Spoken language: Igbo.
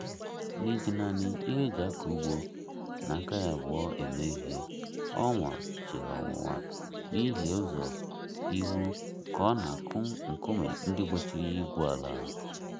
N'iji nanị ihe e ji akọ ugbo na aka ya abụọ eme ihe, Ouma chere ọnwụnwa na ihie ụzọ ihu ka ọ na-akụ nkume ndị gbochiri ya igwu ala.